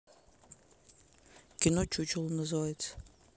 кино чучело называется